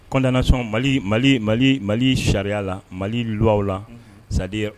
Kɔntanasɔn mali mali mali mali sariyaya la mali luwa la sa